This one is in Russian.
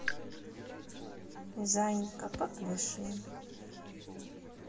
заинька попляши